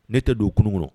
Ne tɛ don kunun kɔnɔ